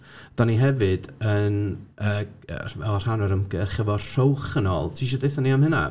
Dan ni hefyd, yn yy o rhan o'r ymgyrch efo Rhowch Yn Ôl. Ti isio deud wrthon ni am hynna?